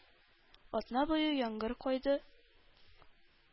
Атна буе яңгыр койды.